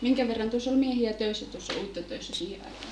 minkä verran tuossa oli miehiä töissä tuossa uittotöissä siihen aikaan